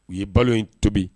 U ye balo in tobi